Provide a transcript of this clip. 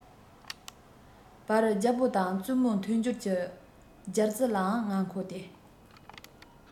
བར རྒྱལ པོ དང བཙུན མོའི མཐུན སྦྱོར གྱི སྦྱར རྩི ལའང ང མཁོ སྟེ